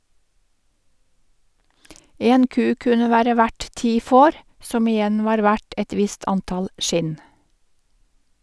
En ku kunne være verd ti får, som igjen var verdt et visst antall skinn.